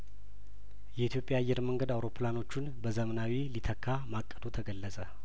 የኢትዮጵያ አየር መንገድ አውሮፕላኖቹን በዘመናዊ ሊተካ ማቀዱ ተገለጸ